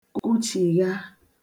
kuchìgha